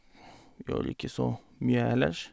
Gjør ikke så mye ellers.